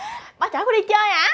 ba chở con đi chơi hả